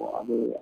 A bɛ